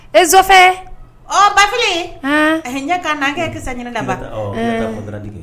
Ezɔfɛ ɔ Bafili ɲɛ ka nan